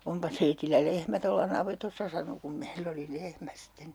onpa teillä lehmä tuolla navetassa sanoi kun meillä oli lehmä sitten